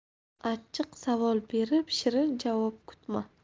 achchiq savol berib shirin javob kutma